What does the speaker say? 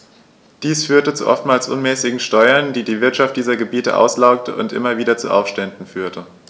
Dies führte zu oftmals unmäßigen Steuern, die die Wirtschaft dieser Gebiete auslaugte und immer wieder zu Aufständen führte.